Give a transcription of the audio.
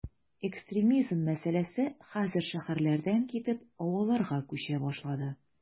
Экстремизм мәсьәләсе хәзер шәһәрләрдән китеп, авылларга “күчә” башлады.